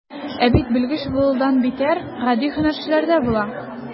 Ә бит белгеч булудан битәр, гади һөнәрчеләр дә була.